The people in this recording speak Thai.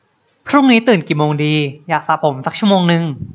พรุ่งนี้ตื่นกี่โมงดีอยากสระผมซักชั่วโมงนึง